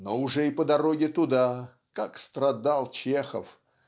Но уже и по дороге туда как страдал Чехов!